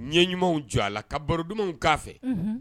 Ɲɛ ɲumanw jɔ a la ka baro dumanw k'a fɛ